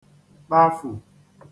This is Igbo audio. kpafù